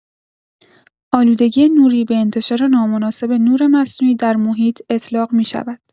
آلودگی نوری به انتشار نامناسب نور مصنوعی در محیط اطلاق می‌شود.